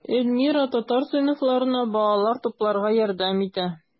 Эльмира татар сыйныфларына балалар тупларга ярдәм итә.